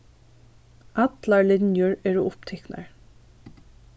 allar linjur eru upptiknar